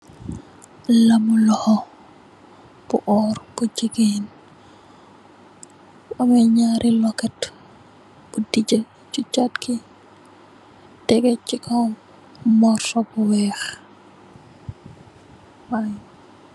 Lamin loxo bu orr bu gigeen bu ameh ñarri loket bu dija so pegyi tegeh si kaw morso bu wekh.